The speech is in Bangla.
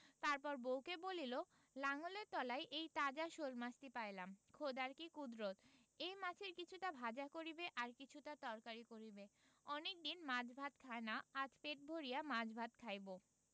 তারপর বউকে বলিল লাঙলের তলায় এই তাজা শোলমাছটি পাইলাম খোদার কি কুদরত এই মাছের কিছুটা ভাজা করিবে আর কিছুটা তরকারি করিবে অনেকদিন মাছ ভাত খাই না আজ পেট ভরিয়া মাছ ভাত খাইব